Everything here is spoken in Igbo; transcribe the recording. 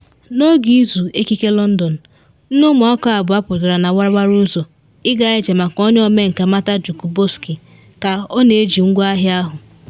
N’oge Izu Ekike London, nne ụmụaka abụọ pụtara na warawara ụzọ ịga ije maka onye ọmenka Marta Jakubowski ka ọ na eji ngwaahịa ahụ.